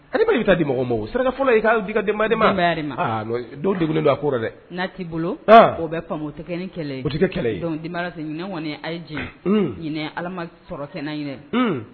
Ale i bɛ taa di mɔgɔ ma o sira fɔlɔ ye k'aw di ka dibaden don de bɛ'a ko dɛ n'a t'i bolo o bɛ o tɛ ni o kɔni a ye jɛ ala sɔrɔfɛn ɲɛna